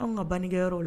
Anw ka bankɛ yɔrɔ la